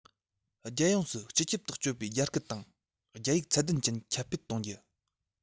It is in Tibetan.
རྒྱལ ཡོངས སུ སྤྱི ཁྱབ ཏུ སྤྱོད པའི རྒྱ སྐད དང རྒྱ ཡིག ཚད ལྡན ཅན ཁྱབ སྤེལ གཏོང རྒྱུ